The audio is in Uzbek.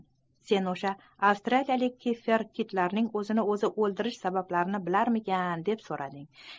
sen o'sha avstraliyalik kiffer kitlarning o'zini o'zi o'ldirishi sabablarini bilarmikin deb so'rading